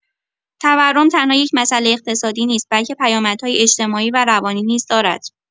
تورم تنها یک مسئله اقتصادی نیست، بلکه پیامدهای اجتماعی و روانی نیز دارد.